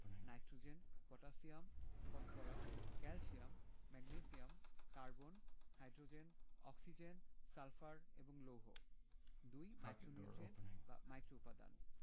nitrogen potassium phosphorus calcium magnesium carbon hydrogen oxygen sulphur এবং লৌহ ২ micronutrient বা মাইক্রোউপাদান